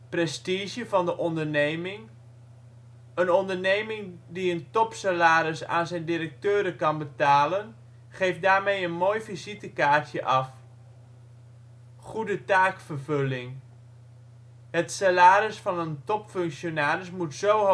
Prestige van de onderneming: " Een onderneming die een topsalaris aan zijn directeuren kan betalen geeft daarmee een mooi visitekaartje af. " Goede taakvervulling: " Het salaris van een topfunctionaris moet zo